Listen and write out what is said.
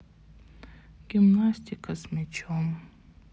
гимнастика с мячом